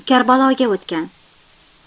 karbaloga o'tgan